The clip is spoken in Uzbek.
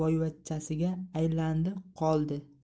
boyvachchasiga aylandi qoldi